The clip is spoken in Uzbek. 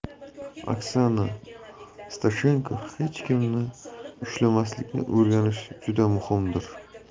oksana stashenko hech kimni ushlamaslikni o'rganish juda muhimdir